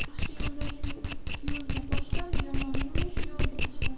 yaxshi yo'ldosh yo'lga boshlar yomon yo'ldosh yovga tashlar